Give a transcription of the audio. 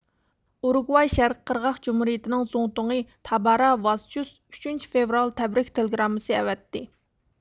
ئۇرۇگۋاي شەرقىي قىرغاق جۇمھۇرىيىتىنىڭ زۇڭتۇڭى تابارا ۋازچۇز ئۈچىنچى فېۋرال تەبرىك تېلېگراممىسى ئەۋەتتى